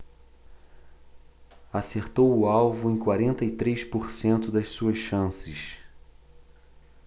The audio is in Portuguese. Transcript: acertou o alvo em quarenta e três por cento das suas chances